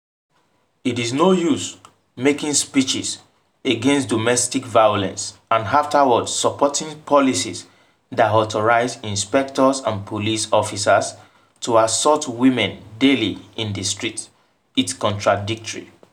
It is no use making speeches against domestic violence and afterward supporting policies that authorize inspectors and police officers to assault women daily in the streets, it’s contradictory!